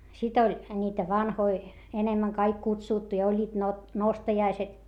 sitten oli niitä vanhoja enemmän kaikki kutsuttu ja olivat nostajaiset